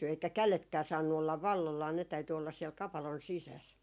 eikä kädetkään saanut olla valloillaan ne täytyi olla siellä kapalon sisässä